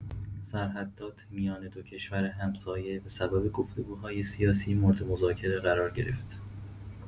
سرحدات میان دو کشور همسایه به‌سبب گفت‌وگوهای سیاسی مورد مذاکره قرار گرفت.